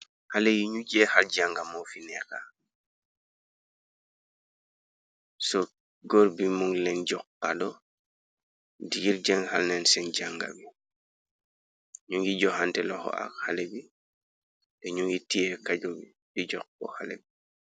Xale yi ñu jee xar jànga moo fi neexa so gór bi mung leen jox kado di ngir jang xalneen sen jànga bi ñu ngi joxante loxo ak xale bi te ñu ngi tie kajoi di jox ko xale bi.